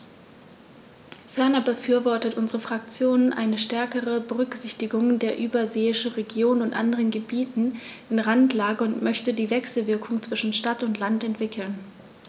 Ferner befürwortet unsere Fraktion eine stärkere Berücksichtigung der überseeischen Regionen und anderen Gebieten in Randlage und möchte die Wechselwirkungen zwischen Stadt und Land entwickeln.